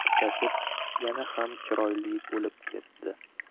tutashib yana ham chiroyli bo'lib ketdi